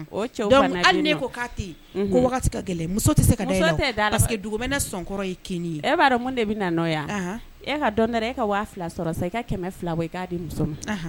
Ne ko ko gɛlɛn tɛ dugu ne sɔnkɔrɔinin ye e b'a dɔn mun de bɛ na yan e ka dɔn e ka sɔrɔ sa i ka kɛmɛ fila ia di muso